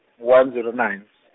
one zero nine .